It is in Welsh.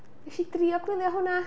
Wnees i drio gwylio hwnna.